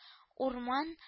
Урман